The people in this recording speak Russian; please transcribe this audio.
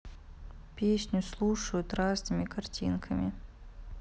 песню слушают разными картинками